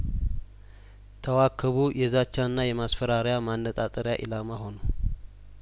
ተዋከቡ የዛቻና የማስፈራሪያ ማነጣጠሪያ ኢላማ ሆኑ